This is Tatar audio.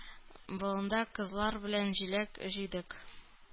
Болында кызлар белән җиләк җыйдык.